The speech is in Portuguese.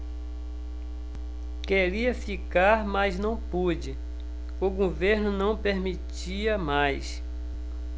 queria ficar mas não pude o governo não permitia mais